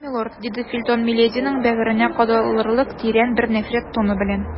Сез хаклы, милорд, - диде Фельтон милединың бәгыренә кадалырлык тирән бер нәфрәт тоны белән.